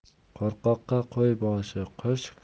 qo'rqoqqa qo'y boshi qo'sh